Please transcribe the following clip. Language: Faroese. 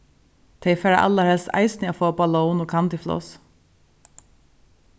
tey fara allarhelst eisini at fáa ballón og candyfloss